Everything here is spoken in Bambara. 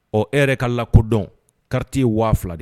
Ɔ e yɛrɛ ka la kodɔn kariti ye waa fila de